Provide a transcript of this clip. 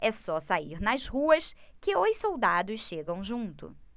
é só sair nas ruas que os soldados chegam junto